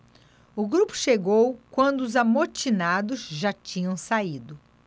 o grupo chegou quando os amotinados já tinham saído